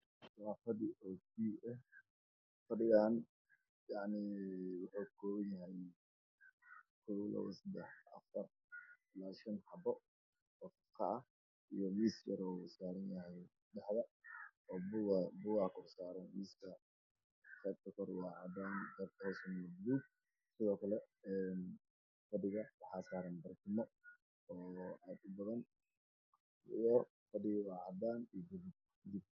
Ii muuqda qol ay yaalaan fadhi iyo miis yar oo looga hala saarto fadhiga midabkiisu waa buluu gray iyo nacyo kale